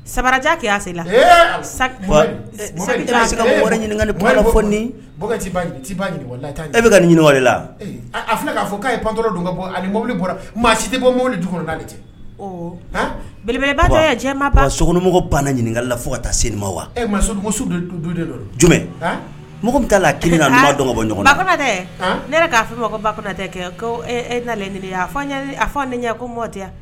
Sama sen la e bɛ ka la a k'a fɔ k' pantɔ ka bɔ mɔbili si tɛ bɔ mɔbili belebbadɔ cɛ sokɔnɔmɔgɔ ban ɲininkaka la fo ka taa sema wa jumɛn bɛ taa la kelen bɔ batɛ ne k'a fɔ ma ko batɛ kɛ e na ne ko mɔ tɛ